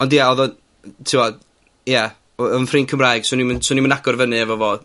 Ond ia odd o, t'mod ia odd o- 'yn ffrind Cymraeg. 'Swn i'm yn, 'swn i'm yn agor i fyny efo fo